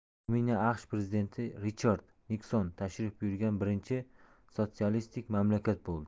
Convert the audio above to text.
ruminiya aqsh prezidenti richard nikson tashrif buyurgan birinchi sotsialistik mamlakat bo'ldi